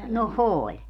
no oli